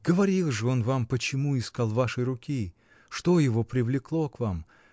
говорил же он вам, почему искал вашей руки, что его привлекло к вам.